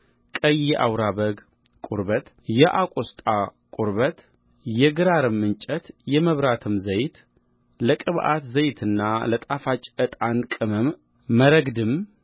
ቀይ የአውራ በግ ቁርበት የአቆስጣ ቁርበት የግራርም እንጨት የመብራትም ዘይት ለቅብዓት ዘይትና ለጣፋጭ ዕጣን ቅመም መረግድም